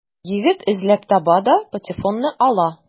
Егет эзләп таба да патефонны ала.